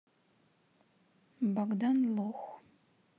богдан лох